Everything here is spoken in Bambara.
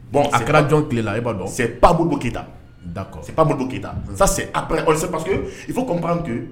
Bɔn a kɛra jɔn tilela e b'a dɔn don ke da keyita sisanp i kop